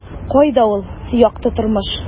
Кайда ул - якты тормыш? ..